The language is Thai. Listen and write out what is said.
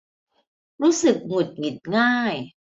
รู้สึกหงุดหงิดง่าย